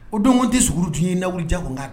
O don tɛ surun dun ye nawaleja kunkan